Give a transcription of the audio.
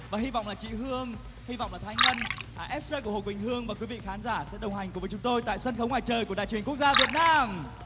và hy vọng là chị hương hy vọng là thanh ngân ép xê của hồ quỳnh hương và quý vị khán giả sẽ đồng hành cùng với chúng tôi tại sân khấu ngoài trời của đài truyền quốc gia việt nam